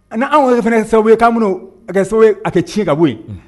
Ani anw yɛrɛ fana sababu ye k' minnu a kɛ sababu a kɛ ci ka bɔ yen